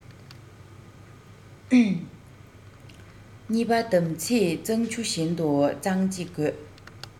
གཉིས པ དམ ཚིག གཙང ཆུ བཞིན དུ གཙང གཅིག དགོས